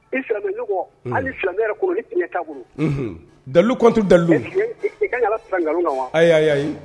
I dalu dalu